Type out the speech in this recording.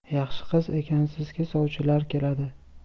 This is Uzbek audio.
yaxshi qiz ekansizki sovchilar keladi